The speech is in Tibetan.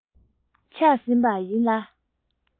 ཆགས ཟིན པ ཡིན ལ